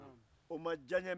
o ma diya n ye